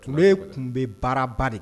Tun bɛ kun bɛ baaraba de